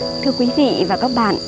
thưa quý vị và các bạn